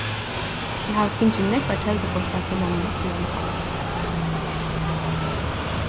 eg havi fingið nógvar teldupostar frá honum síðan tá